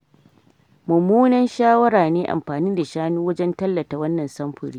“Mummunan shawara ne amfani da shanu wajan tallata wannan samfuri.